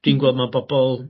dwi'n gweld ma' bobol